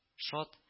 Шат